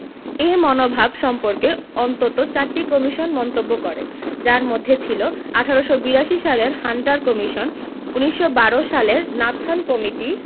এ মনোভাব সম্পর্কে অন্তত চারটি কমিশন মন্তব্য করে যার মধ্যে ছিল ১৮৮২ সালের হান্টার কমিশন ১৯১২ সালের নাথান কমিটি